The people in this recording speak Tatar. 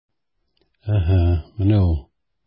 Әһә, менә ул...